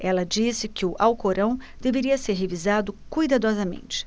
ela disse que o alcorão deveria ser revisado cuidadosamente